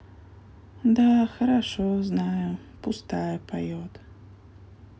да хорошо знаю пустая поет